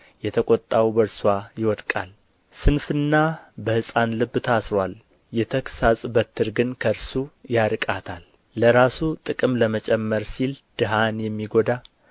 የተቈጣው በእርስዋ ይወድቃል ስንፍና በሕፃን ልብ ታስሮአል የተግሣጽ በትር ግን ከእርሱ ያርቃታል ለራሱ ጥቅም ለመጨመር ሲል ድሀን የሚጐዳ